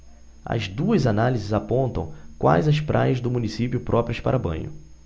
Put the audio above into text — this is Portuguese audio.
as duas análises apontam quais as praias do município próprias para banho